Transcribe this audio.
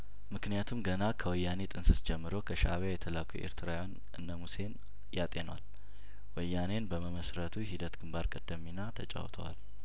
ምክንያቱም ገና ከወያኔ ጥን ስስ ጀምሮ ከሻእቢያ የተላኩ ኤርትራውያን እነ ሙሴን ያጤኗል ወያኔን በመመስረቱ ሂደት ግንባር ቀደም ሚና ተጫውተዋል